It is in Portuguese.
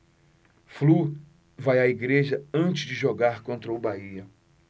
flu vai à igreja antes de jogar contra o bahia